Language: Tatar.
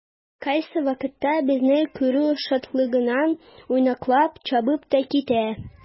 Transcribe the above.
Кайсы вакытта безне күрү шатлыгыннан уйнаклап чабып та китә.